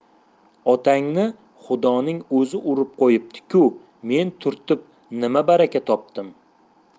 otangni xudoning o'zi urib qo'yibdi ku men turtib nima baraka topdim